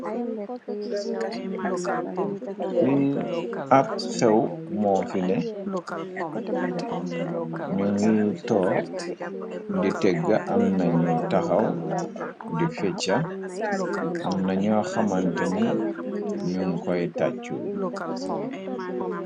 Ci ab xew moo fide ñu ngir toop di tegg am nañu taxaw di fecca am nañu xamante ni ñu koy tàccu.